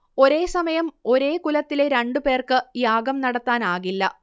ഒരേ സമയം ഒരേ കുലത്തിലെ രണ്ടുപേർക്ക് യാഗം നടത്താനാകില്ല